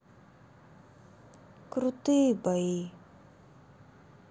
крутые бои